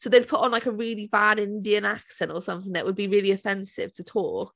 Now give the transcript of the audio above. So they'd put on, like, a really bad Indian accent or something that would be really offensive, to talk...